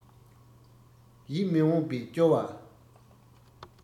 ཡིད མི འོང པས སྐྱོ བ